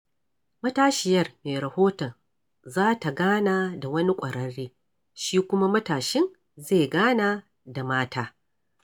Matashiyar mai rahoton za ta gana da wani ƙwararre, shi kuma matashin zai gana da mata.